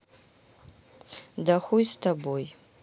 да хуй с тобой